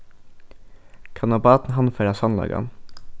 kann eitt barn handfara sannleikan